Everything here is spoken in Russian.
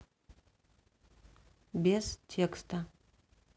без текста